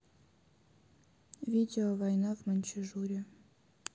видео война в маньчжурии